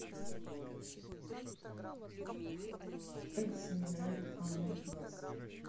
эдисон играет амон гас